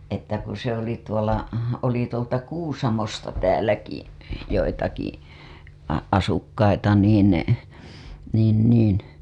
että kun se oli tuolla oli tuolta Kuusamosta täälläkin joitakin - asukkaita niin niin niin